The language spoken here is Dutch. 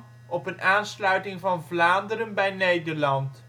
aansluiting van Vlaanderen bij Nederland